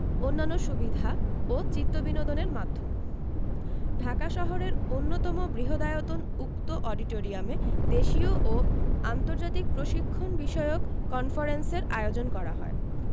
অন্যান্য সুবিধা ও চিত্তবিনোদনের মাধ্যম ঢাকা শহরের অন্যতম বৃহদায়তন উক্ত অডিটোরিয়ামে দেশীয় ও আন্তর্জাতিক প্রশিক্ষণ বিষয়ক কনফারেন্সের আয়োজন করা হয়